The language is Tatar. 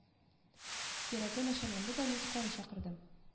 Йөрәге начарланды да мин скорый чакырдым